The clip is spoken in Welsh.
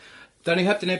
'Dan ni heb 'di neud...